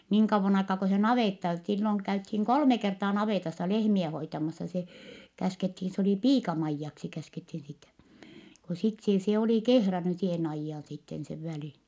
niin kauan aikaa kuin se navetta silloin käytiin kolme kertaa navetassa lehmiä hoitamassa se käskettiin se oli piika-Maijaksi käskettiin sitä kun sitten se se oli kehrännyt sen ajan sitten sen välin